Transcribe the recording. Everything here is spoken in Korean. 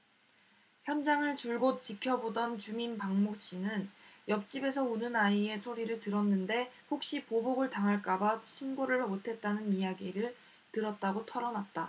현장을 줄곧 지켜보던 주민 박모씨는 옆집에서 우는 아이의 소리를 들었는데 혹시 보복을 당할까봐 신고를 못했다는 얘기를 들었다고 털어놨다